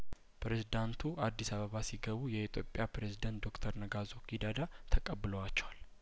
ፕሬዝዳንቱ አዲስ አበባ ሲገቡ የኢትዮጵያ ፕሬዝደንት ዶክተር ነጋሶ ጊዳዳ ተቀብለዋቸዋል